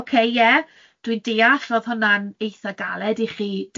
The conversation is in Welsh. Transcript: Ocê ie, dwi'n deall roedd hwnna'n eitha' galed i chi,